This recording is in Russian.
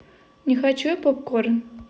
не хочу я попкорн